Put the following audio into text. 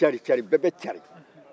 cari-cari bɛɛ bɛ cari